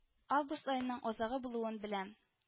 Август аеның азагы булуын беләм